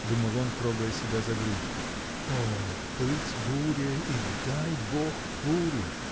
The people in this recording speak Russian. — думал он, трогая себя за грудь. быть буре, и дай Бог бурю!